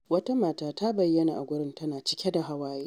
Wata mata ta bayyana a wurin tana cike da hawaye.